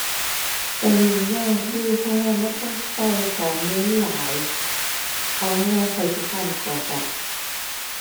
ก็ยุ่งยากอยู่เพราะว่ามันต้องก็ข้อมูลหลาย เอาง่ายง่ายข้อยขี้คร้านกรอกละ